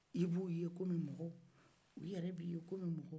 i b'u ye komi mɔgɔ u yɛrɛ b'i ye komi mɔgɔ